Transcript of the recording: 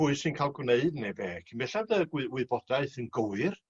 pwy sy'n ca'l gwneud ne' be' cyn bellad y gwy- wybodaeth yn gywir